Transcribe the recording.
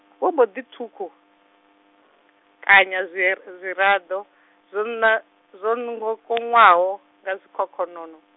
vho mbo ḓi ṱhukukanya zwir-, zwiraḓo zwona- zwo nongokanywaho nga zwikhokhonono.